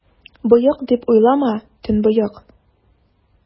Боек, дип уйлама, төнбоек!